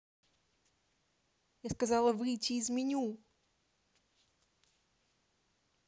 я сказала выйти из меню